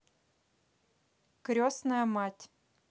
крестная мать